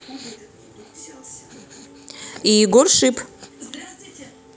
и егор шип